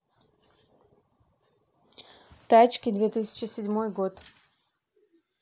тачки две тысячи седьмой год